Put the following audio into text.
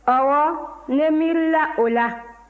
ɔwɔ ne miirila o la